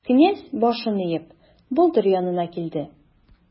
Князь, башын иеп, болдыр янына килде.